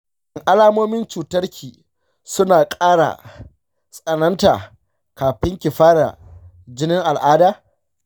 shin alamomin cutar ki suna ƙara tsananta kafin ki fara jinin al'ada?